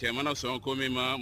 Cɛ mana sɔn ko min ma